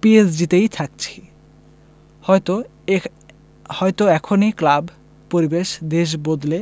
পিএসজিতেই থাকছি হয়তো এখ হয়তো এখনই ক্লাব পরিবেশ দেশ বদলে